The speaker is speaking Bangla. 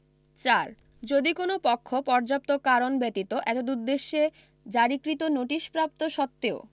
৪ যদি কোন পক্ষ পর্যাপ্ত কারণ ব্যতীত এতদুদ্দেশ্যে জারীকৃত নোটিশ প্রাপ্ত সত্ত্বেও